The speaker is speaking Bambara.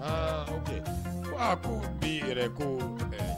Ha fa ko bi yɛrɛ ko fɛ